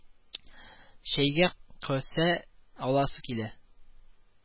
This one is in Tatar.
Чәйгә касә аласы килә